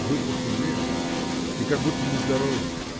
— Вы похудели — и как будто нездоровы!